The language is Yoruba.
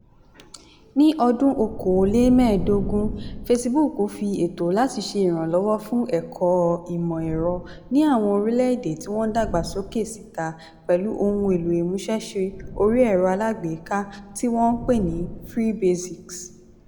Ní ọdún 2015, Facebook fi ètò láti ṣe ìrànlọ́wọ́ fún ẹ̀kọ́ ìmọ̀-ẹ̀rọ ní àwọn orílẹ̀-èdè tí wọ́n ń dàgbà sókè síta pẹ̀lú ohun èlò ìmúṣẹ́ṣe orí ẹ̀rọ aláàgbéká tí wọ́n pè ní "Free Basics".